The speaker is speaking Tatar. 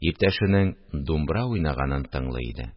Иптәшенең думбра уйнаганын тыңлый иде